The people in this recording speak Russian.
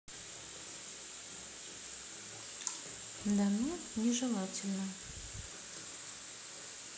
да ну нежелательно